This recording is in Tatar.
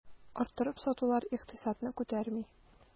Арттырып сатулар икътисадны күтәрми.